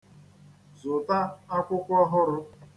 Zụta akwụkwọ ọhụrụ.